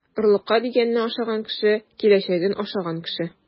Орлыкка дигәнне ашаган кеше - киләчәген ашаган кеше.